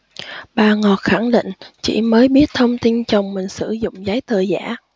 bà ngọt khẳng định chỉ mới biết thông tin chồng mình sử dụng giấy tờ giả